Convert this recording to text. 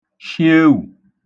shị ewù